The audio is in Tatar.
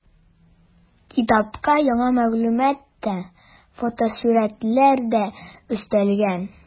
Китапка яңа мәгълүмат та, фотосурәтләр дә өстәлгән.